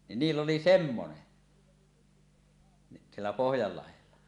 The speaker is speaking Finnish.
niin niillä oli semmoinen niin siellä Pohjanlahdella